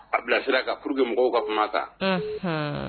A bilasira ka pur que mɔgɔw ka kuma kan